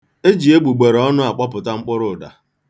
E ji egbùgbèrèọnụ̄ akpọpụta mkpụrụụda.